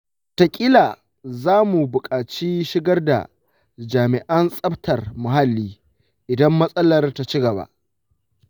wataƙila za mu buƙaci shigar da jami’an tsaftar muhalli idan matsalar ta ci gaba.